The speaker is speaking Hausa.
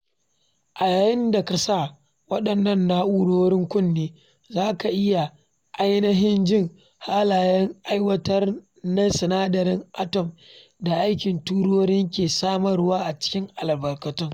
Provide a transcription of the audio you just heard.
A yayin da ka sa waɗannan na’urorin kunne, za ka iya ainihin jin halayen aiwatar na sinadaran atom da aikin tururin ke samarwa a cikin albarkatun.”